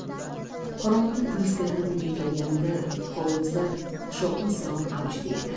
qorong'uda timirskilanib uyga kelganimda hovlimizda shovqin suron avjida edi